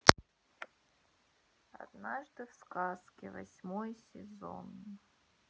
однажды в сказке восьмой сезон